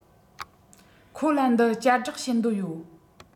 ཁོ ལ འདི བསྐྱར བསྒྲགས བྱེད འདོད ཡོད